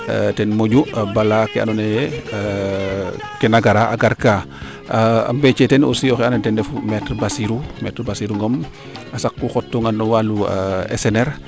ten moƴu bala kee ando naye kena gara a gar kaa mbeecee teen aussi oxe ando naye ten refu Maitre Bassirou Ngom a saq no ku xot toona no walu SCNR